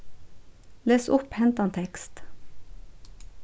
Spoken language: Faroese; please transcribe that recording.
les upp hendan tekst